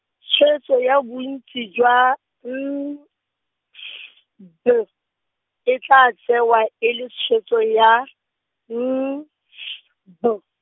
tshwetso ya bontsi jwa, N S B, e tla tsewa e le tshwetso ya , N S B.